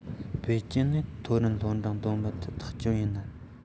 པེ ཅིང ནས མཐོ རིམ སློབ འབྲིང འདོན མི ཐུབ ཐག ཆོད ཡིན ནམ